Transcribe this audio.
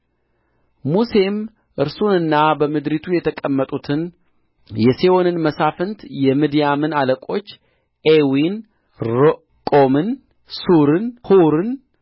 ሙሴም እርሱንና በምድሪቱ የተቀመጡትን የሴዎንን መሳፍንት የምድያምን አለቆች ኤዊን ሮቆምን ሱርን ሑርን